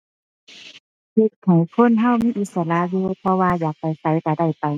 เฮ็ดให้คนเรามีอิสระอยู่ เพราะว่าอยากไปไสเราได้ไป